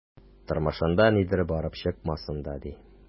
Тормышында нидер барып чыкмасын да, ди...